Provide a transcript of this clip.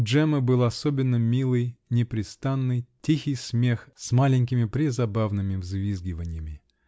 У Джеммы был особенно милый, непрестанный, тихий смех с маленькими презабавными взвизгиваньями.